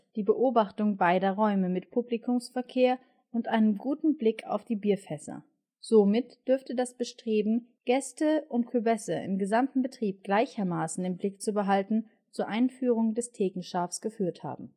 die Beobachtung beider Räume mit Publikumsverkehr und einen guten Blick auf die Bierfässer. Somit dürfte das Bestreben, Gäste und Köbesse im gesamten Betrieb gleichermaßen im Blick zu behalten, zur Einführung des Thekenschaafs geführt haben